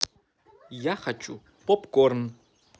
я хочу попкорн